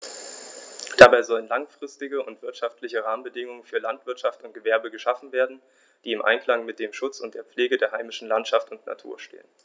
Dabei sollen langfristige und wirtschaftliche Rahmenbedingungen für Landwirtschaft und Gewerbe geschaffen werden, die im Einklang mit dem Schutz und der Pflege der heimischen Landschaft und Natur stehen.